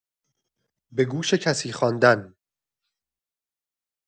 به گوش کسی خواندن